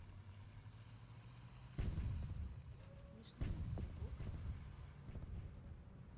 смешной островок